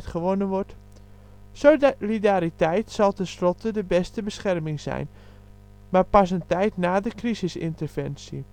gewonnen wordt). Solidariteit zal ten slotte de beste bescherming zijn, maar pas een tijd na de crisisinterventie